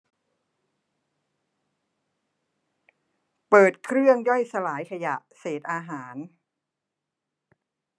เปิดเครื่องย่อยสลายขยะเศษอาหาร